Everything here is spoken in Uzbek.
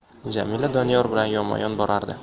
jamila doniyor bilan yonma yon borardi